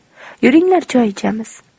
yuringlar choy ichamiz